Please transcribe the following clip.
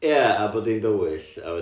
ia a bod hi'n dywyll a wedyn